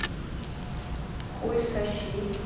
хуй соси